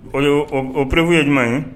O ye preuve ye jumɛn ye?